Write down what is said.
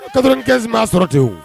95 ma sɔrɔ tenwu